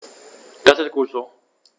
Das ist gut so.